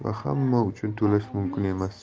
va hamma uchun to'lash mumkin emas